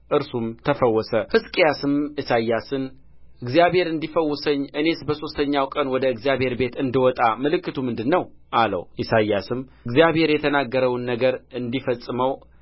እርሱም ተፈወሰ ሕዝቅያስም ኢሳይያስን እግዚአብሔር እንዲፈውሰኝ እኔስ በሦስተኛው ቀን ወደ እግዚአብሔር ቤት እንድወጣ ምልክቱ ምንድር ነው አለው ኢሳይያስም እግዚአብሔር የተናገረውን ነገር እንዲፈጽመው